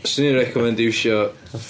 Swn i'n reccommendio iwsio...